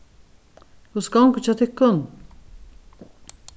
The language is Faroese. hvussu gongur hjá tykkum